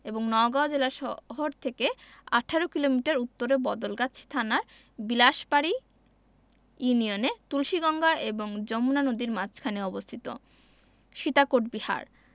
এবং নওগাঁ জেলাশহর থেকে ১৮ কিলোমিটার উত্তরে বদলগাছি থানার বিলাসবাড়ি ইউনিয়নে তুলসীগঙ্গা এবং যমুনা নদীর মাঝখানে অবস্থিত সীতাকোট বিহার